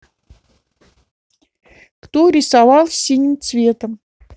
кто рисовал синим цветом